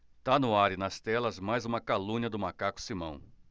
tá no ar e nas telas mais uma calúnia do macaco simão